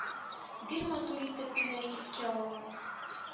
Гел матур итеп кенә искә ала